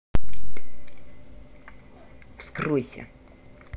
вскройся